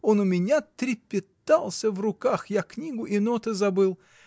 Он у меня трепетался в руках — я книгу и ноты забыл.